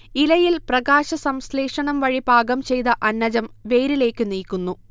ഇലയിൽ പ്രകാശസംശ്ലേഷണം വഴി പാകം ചെയ്ത അന്നജം വേരിലേക്ക് നീക്കുന്നു